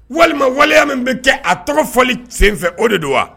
Walima waleya min bɛ kɛ a tɔgɔ fɔli sen fɛ o de don wa